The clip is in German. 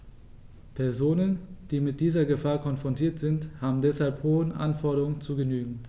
Personen, die mit dieser Gefahr konfrontiert sind, haben deshalb hohen Anforderungen zu genügen.